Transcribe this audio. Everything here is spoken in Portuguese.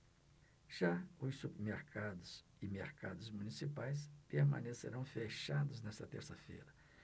já os supermercados e mercados municipais permanecerão fechados nesta terça-feira